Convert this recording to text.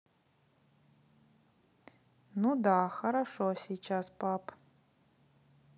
ну да хорошо сейчас пап